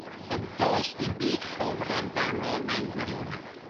ond does dim byd llwfr amdano mewn gwirionedd.